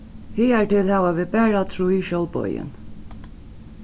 higartil hava vit bara trý sjálvboðin